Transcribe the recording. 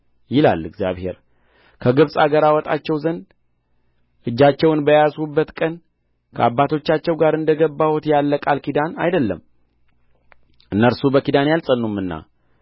ይላል እግዚአብሔር ከግብጽ አገር አወጣቸው ዘንድ እጃቸውን በያዝሁበት ቀን ከአባቶቻቸው ጋር እንደ ገባሁት ያለ ቃል ኪዳን አይደለም እነርሱ በኪዳኔ አልጸኑምና